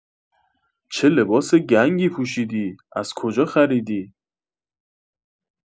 چه لباس گنگی پوشیدی از کجا خریدی